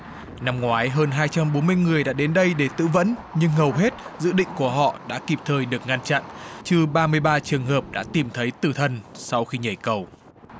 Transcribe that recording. năm ngoái hơn hai trăm bốn mươi người đã đến đây để tự vẫn nhưng hầu hết dự định của họ đã kịp thời được ngăn chặn trừ ba mươi ba trường hợp đã tìm thấy tử thần sau khi nhảy cầu